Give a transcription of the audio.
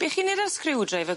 Be' chi'n neud â'r sgriw dreifer...